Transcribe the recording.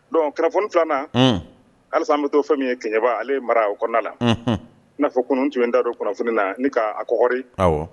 Don kunnafoni filanan hali bɛ too fɛn min ye kɛɲɛba ale ye mara o kɔnɔna la n'a fɔ kunun tun in da don kunnafoni na ni k'a koɔ